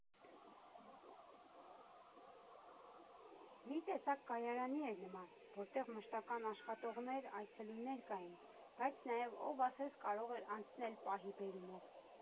Մի տեսակ կայարանի էր նման, որտեղ մշտական աշխատողներ այցելուներ կային, բայց նաև ով ասես կարող էր անցնել պահի բերումով։